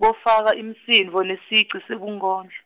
kufaka imisindvo nesigci sebunkondlo.